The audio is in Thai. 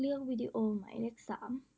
เลือกวิดีโอหมายเลขสาม